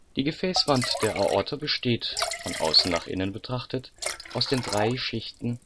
Die Gefäßwand der Aorta besteht, von außen nach innen betrachtet, aus den drei Schichten